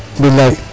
bilaay